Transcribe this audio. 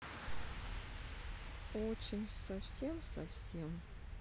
очень совсем совсем